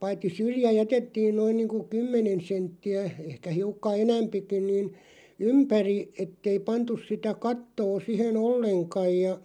paitsi syrjä jätettiin noin niin kuin kymmenen senttiä ehkä hiukan enempikin niin ympäri että ei pantu sitä kattoa siihen ollenkaan ja